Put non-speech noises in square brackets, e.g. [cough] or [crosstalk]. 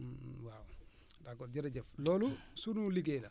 [hesitation] [hesitation] waaw [smacks lips] d' accord jërëjëf loolu sunu liggéey la